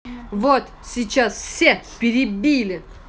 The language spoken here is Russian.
вот сейчас все перебили